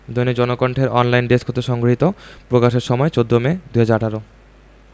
দৈনিক জনকণ্ঠের online desk হতে সংগৃহীত প্রকাশের সময় ১৪ মে ২০১৮